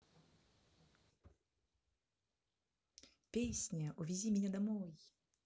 песня увези меня домой